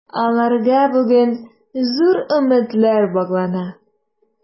Аларга бүген зур өметләр баглана.